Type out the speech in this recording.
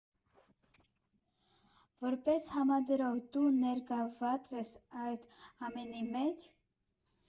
Որպես համադրող դու ներգրավված ես այդ ամենի մե՞ջ։